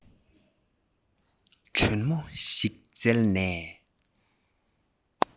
དྲོན མོ ཞིག བཙལ ནས